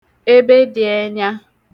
ebe dị ẹnya